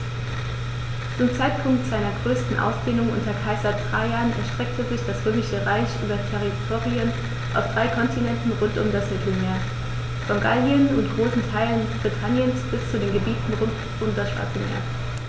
Zum Zeitpunkt seiner größten Ausdehnung unter Kaiser Trajan erstreckte sich das Römische Reich über Territorien auf drei Kontinenten rund um das Mittelmeer: Von Gallien und großen Teilen Britanniens bis zu den Gebieten rund um das Schwarze Meer.